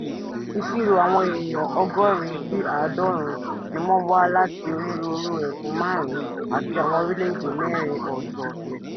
Ìṣirò àwọn èèyàn 80 sí 90 ni wọ́n wá láti onírúurú ẹkùn 5 àti àwọn orílẹ̀-èdè 4 ọ̀tọ̀ọ̀tọ̀.